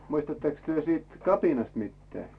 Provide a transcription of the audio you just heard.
muistattekos te siitä kapinasta mitään